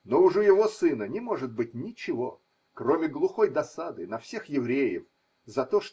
Но уж у его сына не может быть ничего, кроме глухой досады на всех евреев за то.